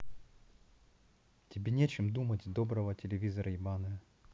тебе нечем думать доброго телевизор ебаная